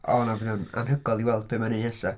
O na fydd o'n anhygoel i weld be mae hi'n wneud nesaf.